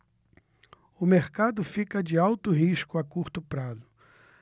o mercado fica de alto risco a curto prazo